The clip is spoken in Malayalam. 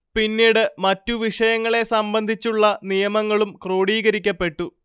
പിന്നീട് മറ്റു വിഷയങ്ങളെ സംബന്ധിച്ചുള്ള നിയമങ്ങളും ക്രോഡീകരിക്കപ്പെട്ടു